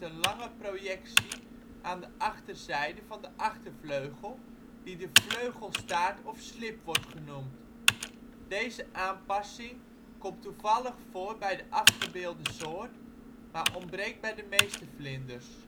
lange projectie aan de achterzijde van de achtervleugel, die de vleugelstaart of slip wordt genoemd (G). Deze aanpassing komt toevallig voor bij de afgebeelde soort maar ontbreekt bij de meeste vlinders